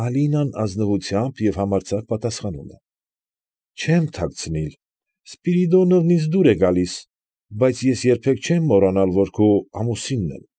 Ալինան ազնվությամբ և համարձակ պատասխանում է. ֊ Չեմ թաքցնիլ, Սպիրիդոնովն ինձ դուր է գալիս, բայց ես երբեք չեմ մոռանալ, որ քո ամուսինն եմ։